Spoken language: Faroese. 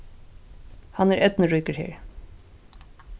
hann er eydnuríkur her